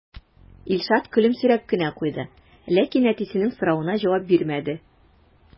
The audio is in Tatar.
Илшат көлемсерәп кенә куйды, ләкин әтисенең соравына җавап бирмәде.